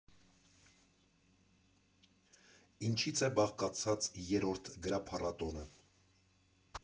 Ինչից է բաղկացած երրորդ գրափառատոնը։